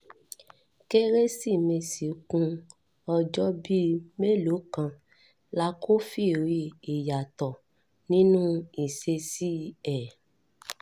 ”Kérésìmesì ku ọjọ́ bíi mélòó kan la kófìrí ìyàtọ̀ nínú ìṣesí ẹ̀.